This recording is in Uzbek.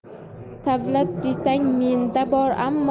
savlat desang menda bor